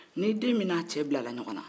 ni den min n'a cɛ bilara ɲɔgɔn na